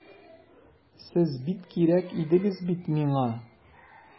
Сез бик кирәк идегез бит миңа!